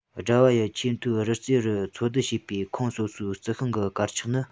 སྒྲ བ ཡི ཆེས མཐོའི རི རྩེ རུ འཚོལ སྡུད བྱས པའི ཁོངས སོ སོའི རྩི ཤིང གི དཀར ཆག ནི